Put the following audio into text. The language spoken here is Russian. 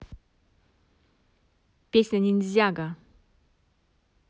песня ниндзяго